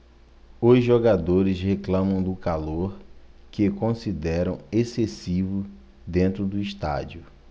os jogadores reclamam do calor que consideram excessivo dentro do estádio